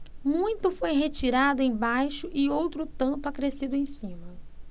muito foi retirado embaixo e outro tanto acrescido em cima